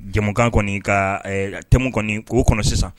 Jamukan kɔni ka te kɔni k'o kɔnɔ sisan